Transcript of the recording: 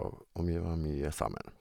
og Og vi var mye sammen.